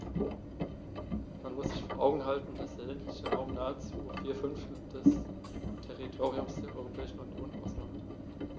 Man muss sich vor Augen halten, dass der ländliche Raum nahezu vier Fünftel des Territoriums der Europäischen Union ausmacht.